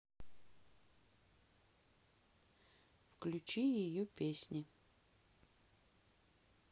включи ее песни